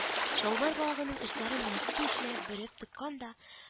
Чалбар балагының очларын носки эченә бөреп тыккан да